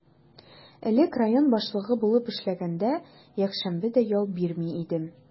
Элек район башлыгы булып эшләгәндә, якшәмбе дә ял бирми идем.